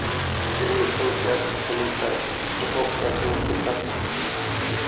gril funksiyasi plita duxovkasining tepa qismida